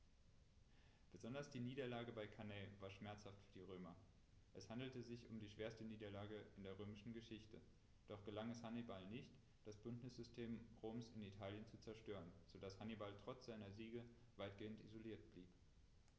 Besonders die Niederlage bei Cannae war schmerzhaft für die Römer: Es handelte sich um die schwerste Niederlage in der römischen Geschichte, doch gelang es Hannibal nicht, das Bündnissystem Roms in Italien zu zerstören, sodass Hannibal trotz seiner Siege weitgehend isoliert blieb.